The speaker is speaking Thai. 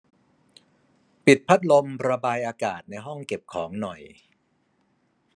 ปิดพัดลมระบายอากาศในห้องเก็บของหน่อย